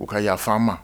U ka yafa ma